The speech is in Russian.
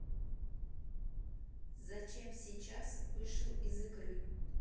зачем сейчас вышел из игры